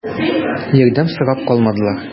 Ярдәм сорап калдылар.